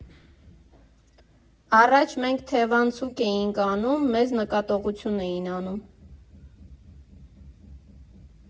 Առաջ մենք թևանցուկ էինք անում, մեզ նկատողություն էին անում։